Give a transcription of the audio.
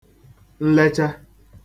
nlecha